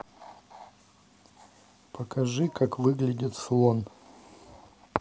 покажи как выглядит слон